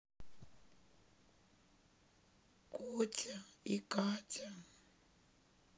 котя и катя